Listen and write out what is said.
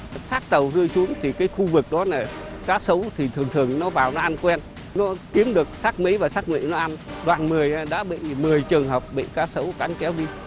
xác tàu rơi xuống thì cái khu vực đó nà cá sấu thì thường thường nó vào nó ăn quen nó kiếm được xác mỹ và xác ngụy nó ăn đoạn mười đã bị mười trường hợp bị cá sấu cắn kéo đi